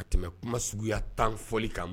A tɛmɛ kuma suguya tan fɔli kan